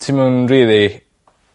ti'm yn rili